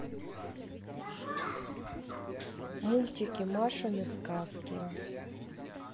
мультики машины сказки